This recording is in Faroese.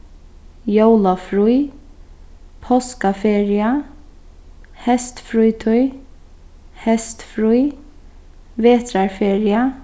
jólafrí páskaferia heystfrítíð heystfrí vetrarferia